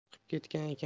chiqib ketgan ekan